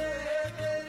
San